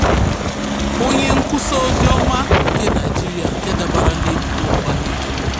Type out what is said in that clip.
Onye Nkwusa Oziọma nke Naịjirịa nke dabara n'ebubo mbanike